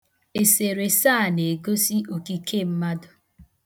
Eserese a na-egosi okike mmadụ.